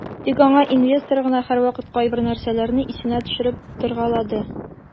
Тик аңа инвестор гына һәрвакыт кайбер нәрсәләрне исенә төшереп торгалады.